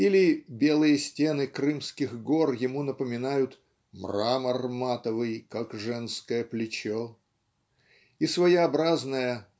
или белые стены крымских гор ему напоминают "мрамор матовый как женское плечо" и своеобразная